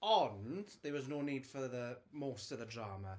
Ond, there was no need for the... most of the drama.